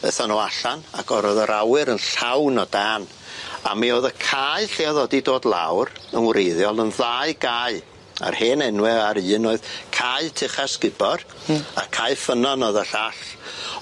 Ethon nw allan ag yr o'dd yr awyr yn llawn o dân a mi o'dd y cae lle o'dd o 'di dod lawr yn wreiddiol yn ddau gae a'r hen enwe ar un oedd cae Tycha Sgubor. Hmm. a cae Ffynnon o'dd y llall.